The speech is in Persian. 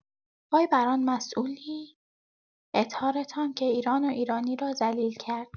وای بر آن مسئولی اطهارتان که ایران و ایرانی را ذلیل کرد.